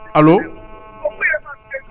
Allo